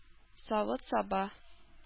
Савыт-саба